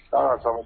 H dɔn